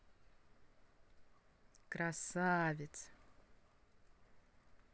красавец